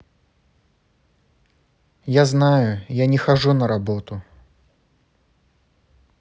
я знаю я не хожу на работу